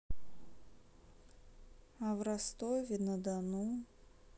а в ростове на дону